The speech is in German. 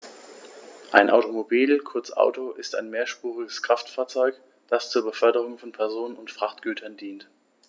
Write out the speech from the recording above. Ein Automobil, kurz Auto, ist ein mehrspuriges Kraftfahrzeug, das zur Beförderung von Personen und Frachtgütern dient.